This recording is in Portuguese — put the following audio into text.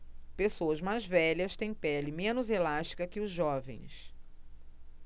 pessoas mais velhas têm pele menos elástica que os jovens